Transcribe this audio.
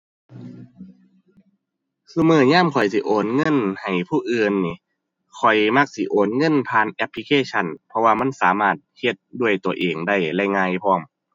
ซุมื้อยามข้อยสิโอนเงินให้ผู้อื่นหนิ ข้อยมักสิโอนเงินผ่านแอปพลิเคชัน เพราะว่ามันสามารถเฮ็ดด้วยตัวเองได้และง่ายพร้อม ⁠